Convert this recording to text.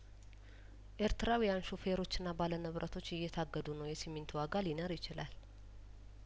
ኤርትራውያን ሾፌሮችና ባለንብረቶች እየታገዱ ነው የሲሚንቶ ዋጋ ሊን ር ይችላል